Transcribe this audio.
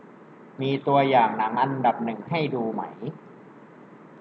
มีตัวอย่างหนังอันดับหนึ่งให้ดูไหม